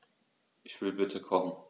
Ich will bitte kochen.